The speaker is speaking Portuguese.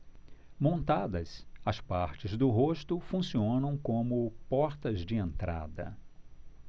montadas as partes do rosto funcionam como portas de entrada